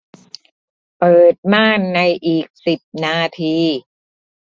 เปิดม่านในอีกสิบนาที